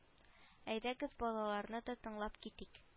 Әйдәгез балаларны да тыңлап китик